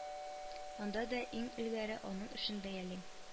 Анда да иң элгәре аның эшен бәялим